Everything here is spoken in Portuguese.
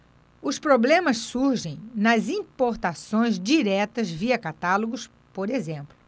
os problemas surgem nas importações diretas via catálogos por exemplo